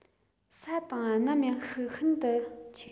ས དང གནམ ཡངས ཤིང ཤིན ཏུ རྒྱ ཆེ བ